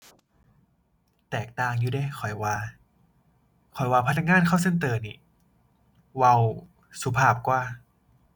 แตกต่างอยู่เดะข้อยว่า ข้อยว่าพนักงาน call center หนิเว้าสุภาพกว่า